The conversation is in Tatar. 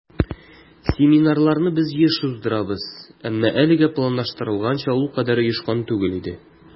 Семинарларны без еш уздырабыз, әмма әлегә планлаштырылганча ул кадәр оешкан түгел иде.